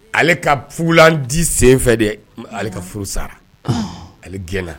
Ale ka fulan di sen fɛ de ale ka furu sara ale gɛnna